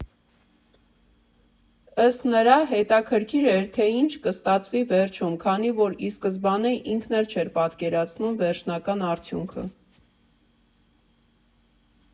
Ըստ նրա՝ հետաքրքիր էր, թե ինչ կստացվի վերջում, քանի որ ի սկզբանե ինքն էլ չէր պատկերացնում վերջնական արդյունքը։